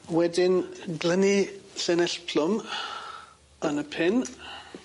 Wedyn glynu llinell plwm yn y pin.